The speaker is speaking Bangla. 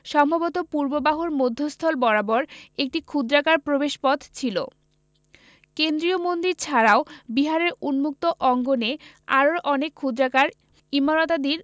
সম্ভবত পূর্ব বাহুর মধ্যস্থল বরাবর একটি ক্ষুদ্রাকার প্রবেশপথ ছিল কেন্দ্রীয় মন্দির ছাড়াও বিহারের উম্মুক্ত অঙ্গনে আরও অনেক ক্ষুদ্রাকার ইমারতাদির